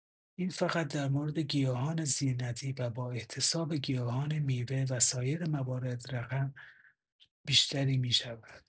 این فقط در مورد گیاهان زینتی و با احتساب گیاهان میوه و سایر موارد رقم بیشتری می‌شود.